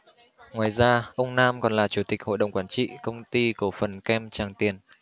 ngoài ra ông nam còn là chủ tịch hội đồng quản trị công ty cổ phần kem tràng tiền